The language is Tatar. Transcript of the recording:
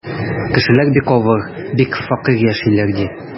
Кешеләр бик авыр, бик фәкыйрь яшиләр, ди.